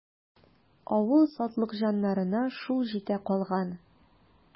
Авыл сатлыкҗаннарына шул җитә калган.